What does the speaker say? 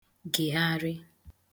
gègharị